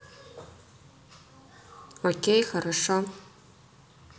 окей хорошо